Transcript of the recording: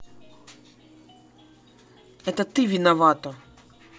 это ты виновата